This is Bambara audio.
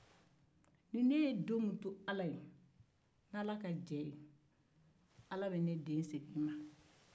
ne ye don min to ala n'ala ka jɛ ne den bɛ segin n ma